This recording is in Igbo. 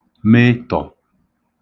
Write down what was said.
metọ̀